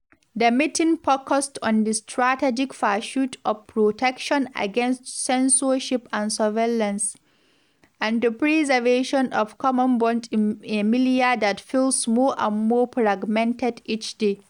The meeting focused on the strategic pursuit of protection against censorship and surveillance, and the preservation of common bonds in a milieu that feels more and more fragmented each day.